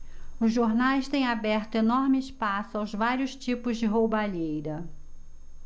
os jornais têm aberto enorme espaço aos vários tipos de roubalheira